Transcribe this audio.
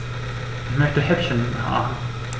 Ich möchte Häppchen machen.